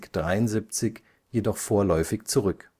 73 jedoch vorläufig zurück